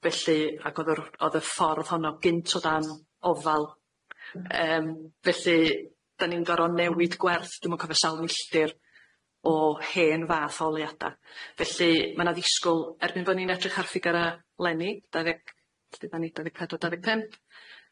Felly ac o'dd yr o'dd y ffordd honno gynt o dan ofal yym felly da ni'n gor'o' newid gwerth dwi'm yn cofio sawl milltir o hen fath oleuada felly ma' 'na ddisgwl erbyn bo' ni'n edrych ar ffigyre leni dau ddeg lle da ni, dau ddeg pedwar dau ddeg pump.